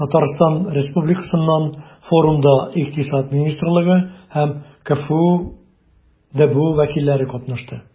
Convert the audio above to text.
Татарстан Республикасыннан форумда Икътисад министрлыгы һәм КФҮ ДБУ вәкилләре катнашты.